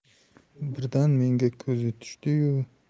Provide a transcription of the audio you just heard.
birdan menga ko'zi tushdi yu